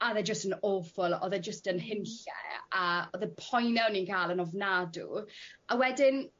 a o'dd e jyst yn awful o'dd e jyst yn hunlle a o'dd y poene o'n i'n ca'l yn ofnadw a wedyn